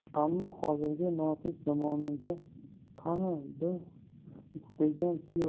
ammo hozirgi notinch zamonada qani biz istagan kuyov